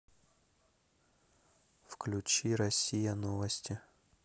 включи россия новости